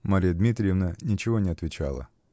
Марья Дмитриевна ничего не отвечала.